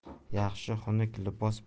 yaxshi xunuk libos